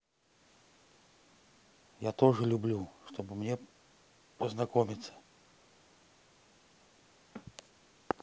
я тоже люблю что бы мне познакомиться